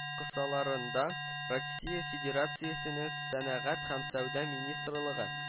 Кысаларында россия федерациясенең сәнәгать һәм сәүдә министрлыгы